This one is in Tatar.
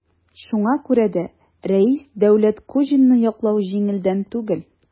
Шуңа күрә дә Рәис Дәүләткуҗинны яклау җиңелдән түгел.